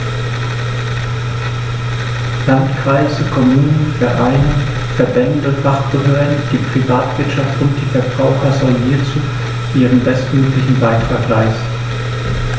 Landkreise, Kommunen, Vereine, Verbände, Fachbehörden, die Privatwirtschaft und die Verbraucher sollen hierzu ihren bestmöglichen Beitrag leisten.